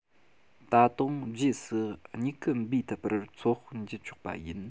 ད དུང རྗེས སུ མྱུ གུ འབུ ཐུབ པར ཚོད དཔག བགྱི ཆོག པ ཡིན